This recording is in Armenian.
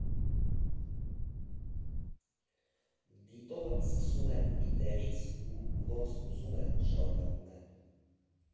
Դիտողը սկսում է մի տեղից ու ոնց ուզում է, շարունակում է։